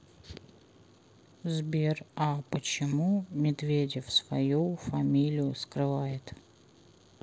сбер а почему медведев свою фамилию скрывает